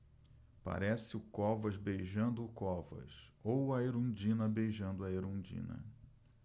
parece o covas beijando o covas ou a erundina beijando a erundina